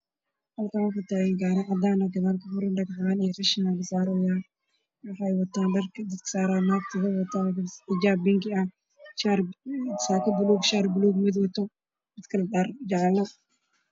Waa gari qadayo qashin